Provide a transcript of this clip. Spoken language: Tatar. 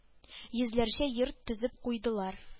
Йөзләрчә йорт төзеп куйдылар